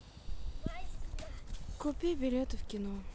купи билеты в кино